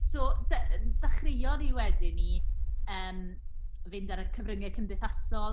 So, da- dechreuon ni wedi 'ny yym fynd ar y cyfryngau cymdeithasol.